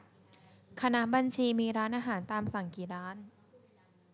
คณะบัญชีมีร้านอาหารตามสั่งกี่ร้าน